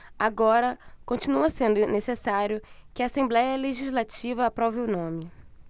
agora continua sendo necessário que a assembléia legislativa aprove o nome